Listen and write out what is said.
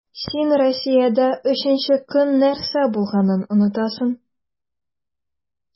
Син Россиядә өченче көн нәрсә булганын онытасың.